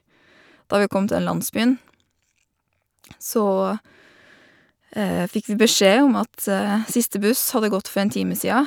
Da vi kom til den landsbyen så fikk vi beskjed om at siste buss hadde gått for en time sia.